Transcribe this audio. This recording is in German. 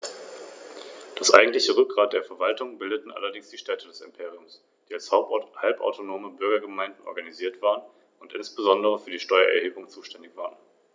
Auffallend ist neben der für Adler typischen starken Fingerung der Handschwingen der relativ lange, nur leicht gerundete Schwanz.